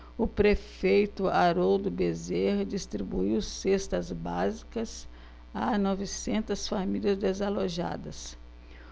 o prefeito haroldo bezerra distribuiu cestas básicas a novecentas famílias desalojadas